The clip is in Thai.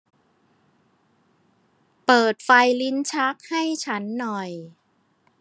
เปิดไฟลิ้นชักให้ชั้นหน่อย